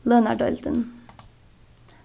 lønardeildin